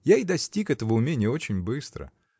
Я и достиг этого уменья очень быстро.